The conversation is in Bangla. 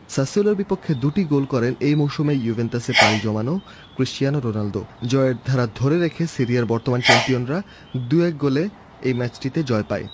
সাসেলের বিপক্ষে দুটি গোল করেন এই মৌসুমেই জুভেন্টাসে পাড়ি জমানো ক্রিশ্চিয়ানো রোনালদো জয়ের ধারা ধরে রেখে সিরিয়ার বর্তমান চ্যাম্পিয়নরা ২-১ গোলে এই ম্যাচটিতে জয় পায়